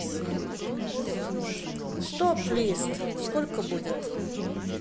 стоп лист сколько будет